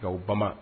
Ga bama